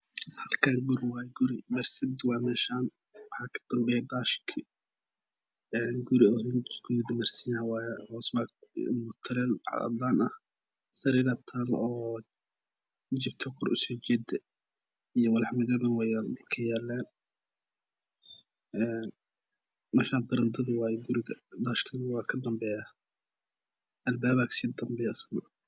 Halkaan guri wayo guri madarasad waaye waxa ka danbeeyo dashki guri oo riinji gaduudan marsanyaahay waayo hoosna cadaan ka ah sariiraa taalo iyo jako kor usii jeeda iyo walax madow dhulkii yaalan meeshan barandadii guriga waaye daashkinana waa ka danbeeyaa albaab aa ka sii danbeeyo